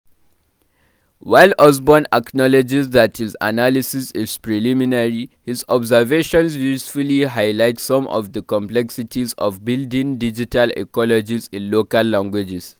While Osborn acknowledges that his analysis is preliminary, his observations usefully highlight some of the complexities of building digital ecologies in local languages.